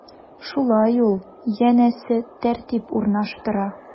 Шулай ул, янәсе, тәртип урнаштыра.